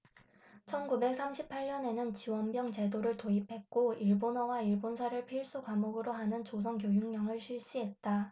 천 구백 삼십 팔 년에는 지원병 제도를 도입했고 일본어와 일본사를 필수과목으로 하는 조선교육령을 실시했다